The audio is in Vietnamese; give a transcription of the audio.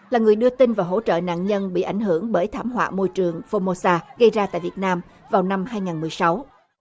là người đưa tin và hỗ trợ nạn nhân bị ảnh hưởng bởi thảm họa môi trường phô mô sa gây ra tại việt nam vào năm hai ngàn mười sáu